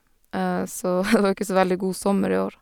Så, det var jo ikke så veldig god sommer i år.